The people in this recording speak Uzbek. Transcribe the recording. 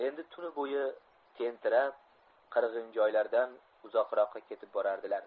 endi tuni bo'yi tentirab qirg'injoylardan uzoqroqqa ketib borardilar